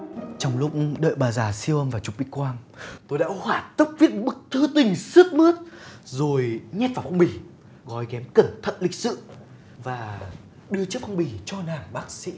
trong lúc đợi bà già siêu âm và chụp x quang tôi đã hỏa tốc viết bức thư tình sướt mướt rồi nhét vào phong bì gói ghém cẩn thận lịch sự và đưa chiếc phong bì cho nàng bác sĩ